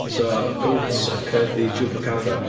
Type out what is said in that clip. So goatsucker 'di Chupacabra.